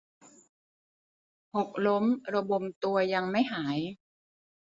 หกล้มระบมตัวยังไม่หาย